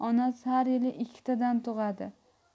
onasi har yili ikkitadan tug'adi